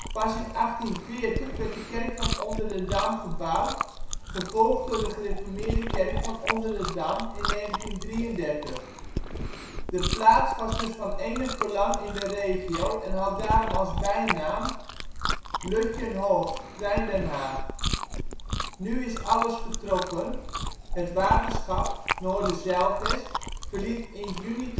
Pas in 1840 werd de kerk van Onderdendam gebouwd, gevolgd door de gereformeerde kerk van Onderdendam in 1933. De plaats was dus van enig belang in de regio en had daarom als bijnaam: Lutje n Hoag (Klein den Haag). Nu is alles vertrokken, het waterschap (Noorderzijlvest) verliet in juni